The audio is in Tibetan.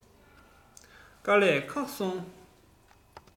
དཀའ ལས ཁག སོང